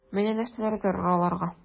Менә нәрсәләр зарур аларга...